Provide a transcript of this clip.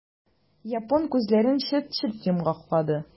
Япон күзләрен челт-челт йомгалады.